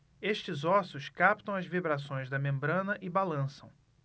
estes ossos captam as vibrações da membrana e balançam